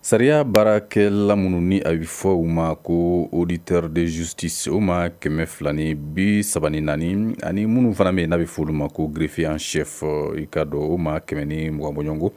Sariya baara kɛ la ni a bɛ fɔ u ma ko oditero dezuti se o ma kɛmɛ 2i bi saba naani ani minnu fana min n'a bɛ f olu ma ko gfiya shɛfɛ i ka don o ma kɛmɛ ni mɔgɔ bɔyko